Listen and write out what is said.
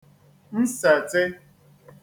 nsètị